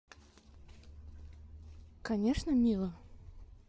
конечно мила